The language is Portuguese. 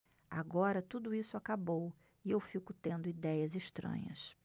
agora tudo isso acabou e eu fico tendo idéias estranhas